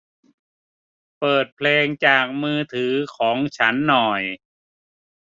เปิดเพลงจากมือถือของฉันหน่อย